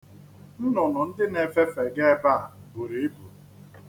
Nnụnụ ndị na-efefega ebe a buru ibu.